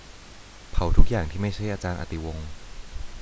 เผาทุกอย่างที่ไม่ใช่อาจารย์อติวงศ์